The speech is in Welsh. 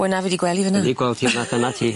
Wel na fi 'di gwel' 'i fyn 'na. Wedi gweld hi fa- dyna ti.